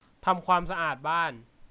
ทำความสะอาดบ้าน